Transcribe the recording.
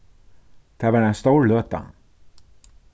tað var ein stór løta